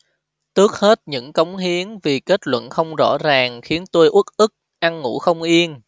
tước hết những cống hiến vì kết luận không rõ ràng khiến tôi uất ức ăn ngủ không yên